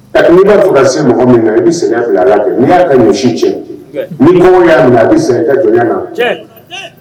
A tun i b'a fɔ ka se mɔgɔ min i bɛ sɛgɛn kɛ n'i y'a kɛ misi cɛ ni y'a minɛ a bɛ ka jɔn na